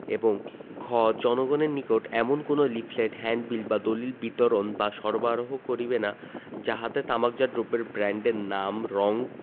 এবং ঘ জনগণের নিকট এমন কোন লিফলেট হ্যান্ডবিল বা দলিল বিতরণ বা সরবরাহ করিবেনা যাহাতে তামাকজাত দ্রব্যের ব্রান্ডের নাম রং